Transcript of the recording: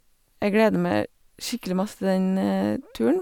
Jeg gleder meg skikkelig masse til den turen.